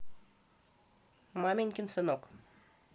маменькин сынок